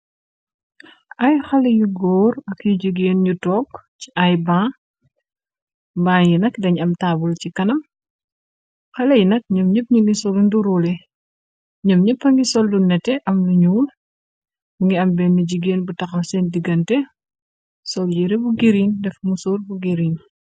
Ay xale yu góor ak yi jigeen yu tokk ci ay ban ban yi nak dañ am taabul ci kanam xale yi nak ñoom ñepp ñi ngi solu nduroole ñoom ñeppa ngi soldu nete am lu ñuul mngi ambenni jigeen bu taxaw seen digante sol yire bu giriñ defa mu soor bu giriñ.